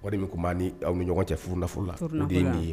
O walima de min tun aw ni ɲɔgɔn cɛ furuda nafolo la o de ye nin ye